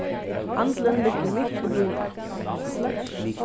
handilin liggur mitt í býnum